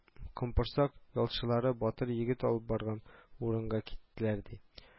Кампорсак ялчылары батыр егет алып барган урынга киттеләр, ди